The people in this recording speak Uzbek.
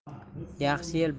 yaxshi yil bahoridan